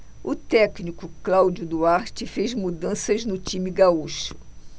o técnico cláudio duarte fez mudanças no time gaúcho